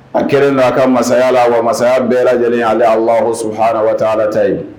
A kɛlen n'a ka masaya la wa masaya bɛɛ lajɛlen larosu hra alata yen